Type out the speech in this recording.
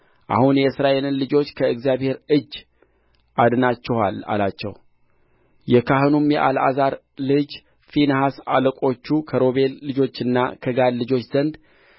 አሁን የእስራኤልን ልጆች ከእግዚአብሔር እጅ አድናችኋል አላቸው የካህኑም የአልዓዛር ልጅ ፊንሐስና አለቆቹ ከሮቤል ልጆችና ከጋድ ልጆች ዘንድ